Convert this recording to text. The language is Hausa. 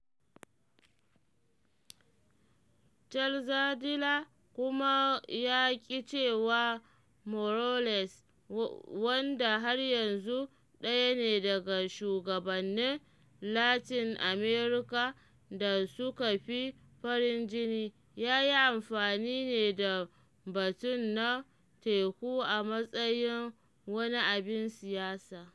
Calzadilla kuma ya ƙi cewa Morales - wanda har yanzu ɗaya ne daga shugabannin Latin America da suka fi farin jini - ya yi amfani ne da batun na teku a matsayin wani abin siyasa.